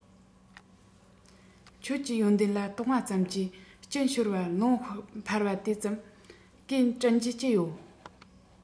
ཁྱོད ཀྱི ཡོན ཏན ལ བཏུངས པ ཙམ གྱིས གཅིན ཤོར བ རླུང འཕར བ དེ ཙམ གས དྲིན རྒྱུ ཅི ཡོད